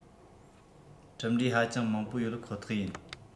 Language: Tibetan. གྲུབ འབྲས ཧ ཅང མང པོ ཡོད པ ཁོ ཐག ཡིན